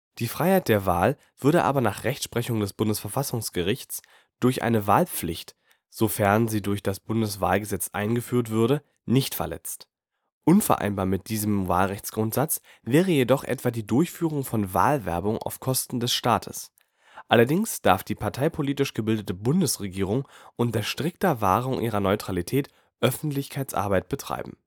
Die Freiheit der Wahl würde aber nach Rechtsprechung des Bundesverfassungsgerichtes durch eine Wahlpflicht, sofern sie durch das Bundeswahlgesetz eingeführt würde, nicht verletzt. Unvereinbar mit diesem Wahlrechtsgrundsatz wäre jedoch etwa die Durchführung von Wahlwerbung auf Kosten des Staates. Allerdings darf die (parteipolitisch gebildete) Bundesregierung unter strikter Wahrung ihrer Neutralität Öffentlichkeitsarbeit betreiben